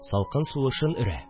Салкын сулышын өрә